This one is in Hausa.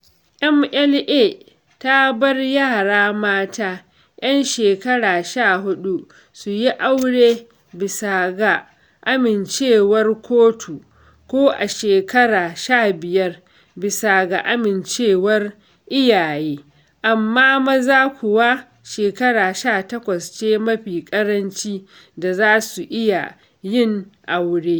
LMA ta bar yara mata 'yan shekara 14 su yi aure bisa ga amincewar kotu, ko a shekara 15 bisa ga amincewar iyaye, amma maza kuwa shekara 18 ce mafi ƙaranci da za su iya yin aure.